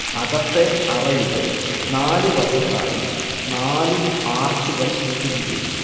അകത്തേ അറയുടെ നാലു വശത്തായി നാലു ആർച്ചുകൾ സ്ഥിതി ചെയ്യുന്നു